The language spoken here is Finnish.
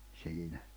siinä